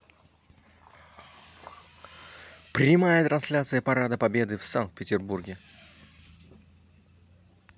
прямая трансляция парада победы в санкт петербурге